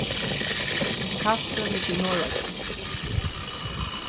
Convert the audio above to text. kalsoy liggur í norðuroyggjum